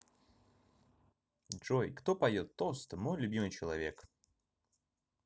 джой кто поет тост мой любимый человек